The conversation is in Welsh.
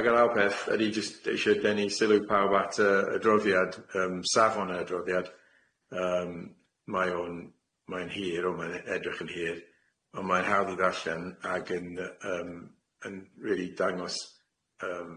Ag a al peth o'n i jyst isie denu sylwi pawb at yy y droddiad yym safon y droddiad yym mae o'n mae'n hir o mae'n edrych yn hir on' mae'n hawdd i ddarllen ag yn yy yym yn rili dangos yym